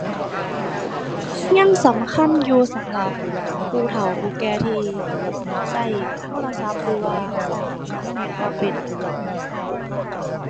ยังสำคัญอยู่สำหรับผู้เฒ่าผู้แก่ที่ใช้โทรศัพท์ หรือว่าใช้อินเทอร์เน็ตบ่เป็น